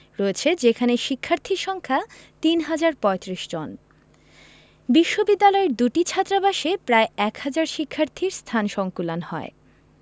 রয়েছে যেখানে শিক্ষার্থীর সংখ্যা ৩ হাজার ৩৫ জন বিশ্ববিদ্যালয়ের দুটি ছাত্রাবাসে প্রায় এক হাজার শিক্ষার্থীর স্থান সংকুলান হয়